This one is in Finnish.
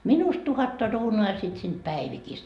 minusta tuhatta kruunua ja sitten siitä Päivikistä